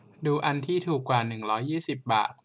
ดูอันที่ถูกกว่าร้อยยี่สิบบาท